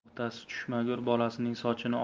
otasi tushmagur bolasining sochini